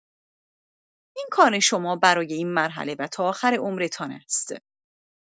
این کار شما برای این مرحله و تا آخر عمرتان است.